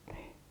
niin